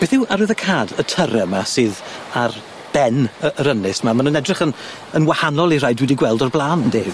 Beth yw arwyddocâd y tyrra 'ma sydd ar ben y- yr Ynys ma' ma' n'w'n edrych yn yn wahanol i rhai dwi di gweld o'r bla'n yndi?